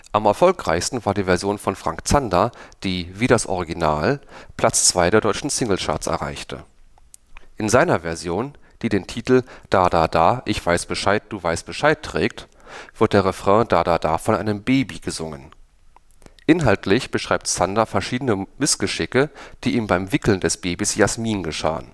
Am erfolgreichsten war die Version von Frank Zander, die wie das Original Platz zwei der deutschen Single-Charts erreichte. In seiner Version, die den Titel „ Da da da ich weiß Bescheid, du weißt Bescheid “trägt, wird der Refrain „ Da da da “von einem Baby gesungen. Inhaltlich beschreibt Zander verschiedene Missgeschicke, die ihm beim Wickeln des Babys Jasmin geschahen